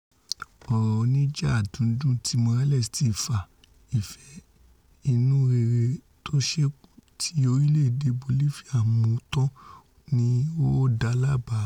Ọ̀rọ̀ oníjà dúndùn ti Morales ti fa ìfẹ́ inú rere tóṣékù ti orílẹ̀-èdè Bolifia mu tán, ni ó dá láàbá.